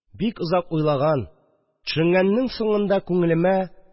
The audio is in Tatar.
Бик озак уйлаган, төшенгәннең соңында күңелемә